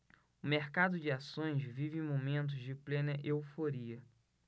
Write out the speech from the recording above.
o mercado de ações vive momentos de plena euforia